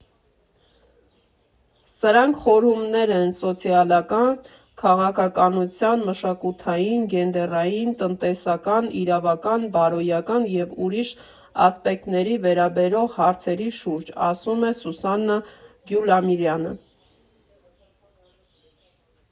Սրանք խորհումներ են սոցիալական քաղաքականության, մշակութային, գենդերային, տնտեսական, իրավական, բարոյական և ուրիշ ասպեկտների վերաբերող հարցերի շուրջ», ֊ ասում է Սուսաննա Գյուլամիրյանը։